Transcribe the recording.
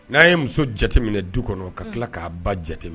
N'an ye muso jateminɛ du kɔnɔ ka tila k'a ba jate